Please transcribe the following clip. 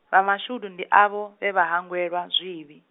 vha mashudu ndi avho, vhe vha hangwelwa, zwivhi.